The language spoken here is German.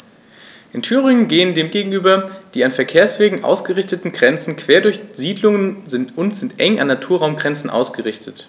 In Thüringen gehen dem gegenüber die an Verkehrswegen ausgerichteten Grenzen quer durch Siedlungen und sind eng an Naturraumgrenzen ausgerichtet.